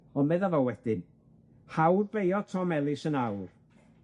On' medda fo wedyn, hawdd beio Tom Ellis yn awr,